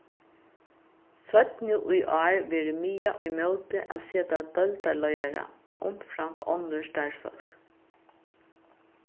seinni í ár verður miðað ímóti at seta deildarleiðara umframt onnur starvsfólk